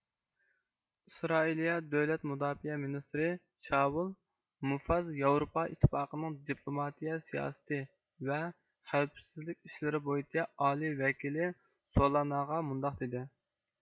ئىسرائىلىيە دۆلەت مۇداپىئە مىنىستىرى شاۋۇل مۇفاز ياۋروپا ئىتتىپاقىنىڭ دىپلوماتىيە سىياسىتى ۋە خەۋپسىزلىك ئىشلىرى بويىچە ئالىي ۋەكىلى سولاناغا مۇنداق دېدى